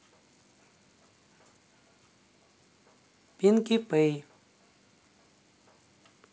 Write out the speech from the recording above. pinky pie